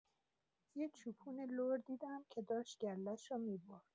یه چوپون لر دیدم که داشت گله‌شو می‌برد.